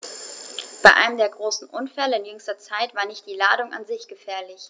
Bei einem der großen Unfälle in jüngster Zeit war nicht die Ladung an sich gefährlich.